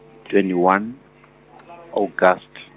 twenty one August.